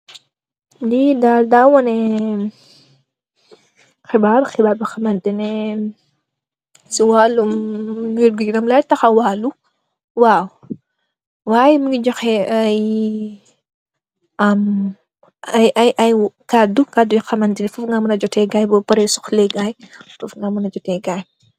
Li daal daa woneh xibaar, xibaar bo haman tehneh ce walloum werr gu yaram lai tahow waw, wayee mugeih joh heh ayee kaduu, kaduu yu haman tehneh fofu gaih muneh johteh gaihyee.